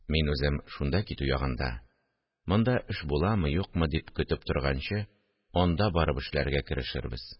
– мин үзем шунда китү ягында, монда эш буламы-юкмы дип көтеп торганчы, анда барып эшләргә керешербез